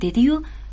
dedi yu